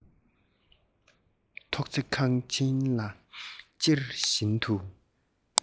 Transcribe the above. ཐོག བརྩེགས ཁང ཆེན ལ ཅེར བཞིན འདུག